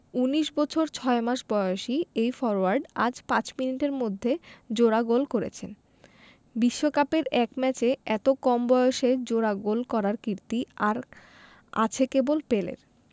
১৯ বছর ৬ মাস বয়সী এই ফরোয়ার্ড আজ ৫ মিনিটের মধ্যে জোড়া গোল করেছেন বিশ্বকাপের এক ম্যাচে এত কম বয়সে জোড়া গোল করার কীর্তি আর আছে কেবল পেলের